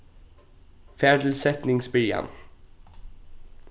far til setningsbyrjan